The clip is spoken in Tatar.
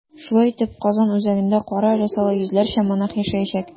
Шулай итеп, Казан үзәгендә кара рясалы йөзләрчә монах яшәячәк.